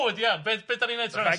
O ydi ia be be dan ni'n neud tro nesa?